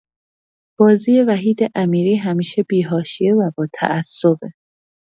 بازی وحید امیری همیشه بی‌حاشیه و با تعصبه.